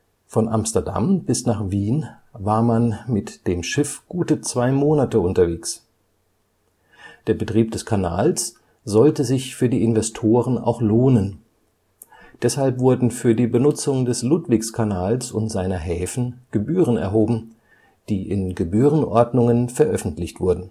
Von Amsterdam bis nach Wien war man mit dem Schiff gute zwei Monate unterwegs. Der Betrieb des Kanals sollte sich für die Investoren auch lohnen. Deshalb wurden für die Benutzung des Ludwigskanals und seiner Häfen Gebühren erhoben, die in Gebührenordnungen veröffentlicht wurden